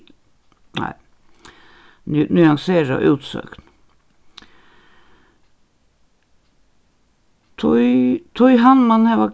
nei nuanserað útsøgn tí tí hann man hava